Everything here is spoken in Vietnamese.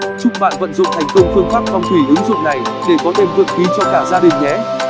chúc bạn vận dụng thành công phương pháp phong thủy ứng dụng này để có thêm vượng khí cho cả gia đình nhé